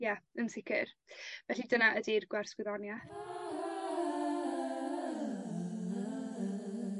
Ie, yn sicir felly dyna ydi'r gwers gwyddonieth.